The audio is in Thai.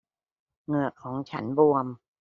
เหงือกของฉันบวม